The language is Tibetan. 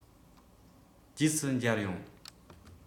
རྗེས སུ མཇལ ཡོང